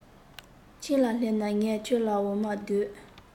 ཁྱིམ ལ སླེབས ན ངས ཁྱོད ལ འོ མ ལྡུད